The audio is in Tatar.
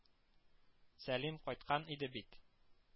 Сәлим кайткан иде бит